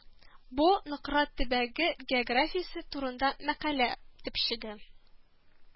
Бу Нократ төбәге географиясе турында мәкалә төпчеге